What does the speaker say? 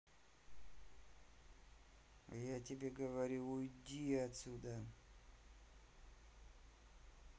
я тебе говорю уйди отсюда